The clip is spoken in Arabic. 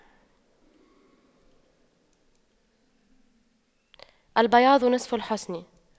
البياض نصف الحسن